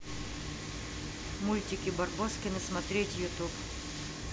мультики барбоскины смотреть ютуб